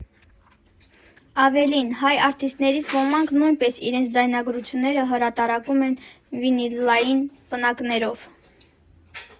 Ավելին, հայ արտիստներից ոմանք նույնպես իրենց ձայնագրությունները հրատարակում են վինիլային պնակներով։